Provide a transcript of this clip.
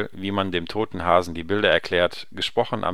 Wie man dem toten Hasen die Bilder erklärt auf dem